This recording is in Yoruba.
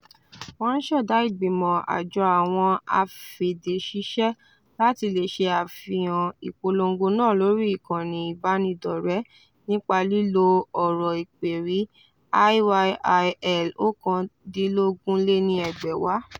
Wọ́n ń ṣẹ̀dá ìgbìmọ̀ àjọ àwọn afèdèṣiṣẹ́ láti lè ṣe àfihàn ìpolongo náà lórí ìkànnì ìbánidọ́rẹ̀ẹ́ nípa lílo ọ̀rọ̀ ìpèrí #IYIL2019.